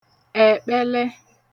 ẹ̀kpẹlẹ